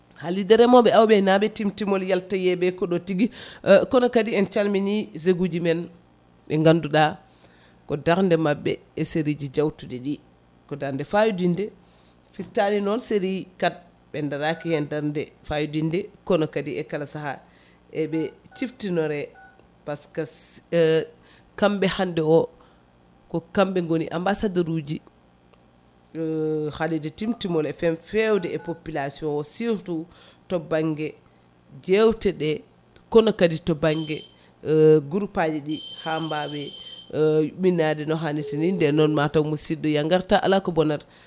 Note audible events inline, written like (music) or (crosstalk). haalirde remoɓe awoɓe e aynaɓe Timtimol yalta yeeɓe koɗo tigui (hesitation) kono kadi en calmini G uji men ɗi ganduɗa ko darde mabɓe e série jawtuɗi ɗi ko darde fayodinde firtani noon série 4 ɓe daaraki hen darde fayodinde kono kadi e kala saaha eɓe ciftinore par ce que (hesitation) kamɓe hande o ko kamɓe gooni ambassadeur uji (hesitation) haalirde Timtimol FM fewde e population o surtout to banggue jewteɗe kono kadi to banggue (noise) (hesitation) groupe aji ɗi ha mbawae (hesitation) ɗuminade no hannirta ni nden noon mataw musidɗo ya garta ala ko bonnata